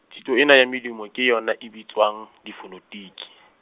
thuto ena ya medumo ke yona e bitswang, difonetiki.